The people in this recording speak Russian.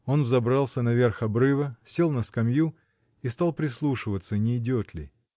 Он взобрался на верх обрыва, сел на скамью и стал прислушиваться, нейдет ли?